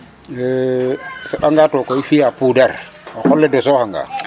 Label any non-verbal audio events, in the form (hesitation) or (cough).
(hesitation) A soɓanga to koy fi'a poudre o qol le dosooxanga